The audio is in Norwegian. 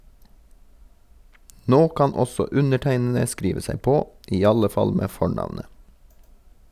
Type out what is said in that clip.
Nå kan også undertegnede skrive seg på - i alle fall med fornavnet.